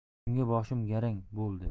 shunga boshim garang bo'ldi